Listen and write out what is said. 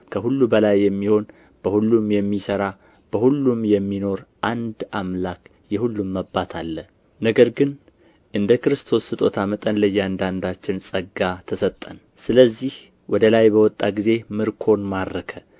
ከሁሉ በላይ የሚሆን በሁሉም የሚሠራ በሁሉም የሚኖር አንድ አምላክ የሁሉም አባት አለ ነገር ግን እንደ ክርስቶስ ስጦታ መጠን ለእያንዳንዳችን ጸጋ ተሰጠን ስለዚህ ወደ ላይ በወጣ ጊዜ ምርኮን ማረከ